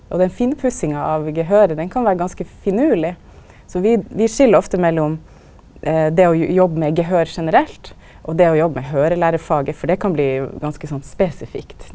og den finpussinga av gehøret den kan vera ganske finurleg, så vi vi skil ofte mellom det å jobba med gehør generelt og det å jobba med høyrelærefaget, for det kan bli ganske sånn spesifikt.